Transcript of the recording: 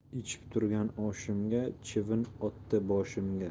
ichib turgan oshimga chivin otdi boshimga